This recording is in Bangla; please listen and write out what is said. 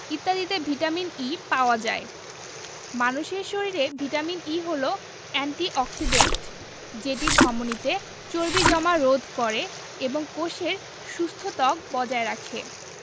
ইত্যাদিতে ভিটামিন E পাওয়া যায় মানুষের শরীরে ভিটামিন E হলো এন্টি অক্সিডেন্ট যেটি ধমনিতে চর্বি জমা রোধ করে এবং কোষের সুস্থ ত্বক বজায় রাখে